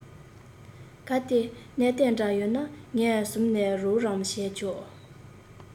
གལ ཏེ གནད དོན འདྲ ཡོད ན ངས ཟུར ནས རོགས རམ བྱས ཆོག